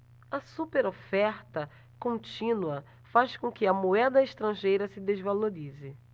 a superoferta contínua faz com que a moeda estrangeira se desvalorize